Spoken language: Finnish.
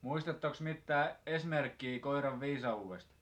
muistattekos mitään esimerkkiä koiran viisaudesta